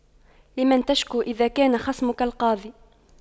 لمن تشكو إذا كان خصمك القاضي